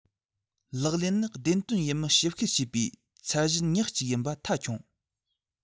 ལག ལེན ནི བདེན དོན ཡིན མིན ཞིབ བཤེར བྱེད པའི ཚད གཞི ཉག ཅིག ཡིན པ མཐའ འཁྱོངས